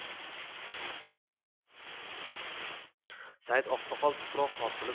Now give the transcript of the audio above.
saidoqsoqol tuproq tortilib